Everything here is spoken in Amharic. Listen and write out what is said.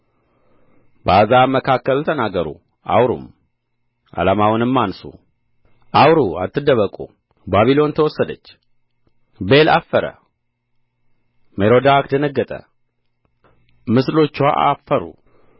በአሕዛብ መካከል ተናገሩ አውሩም ዓላማውንም አንሡ አውሩ አትደብቁ ባቢሎን ተወሰደች ቤል አፈረ ሜሮዳክ ደነገጠ ምስሎችዋ አፈሩ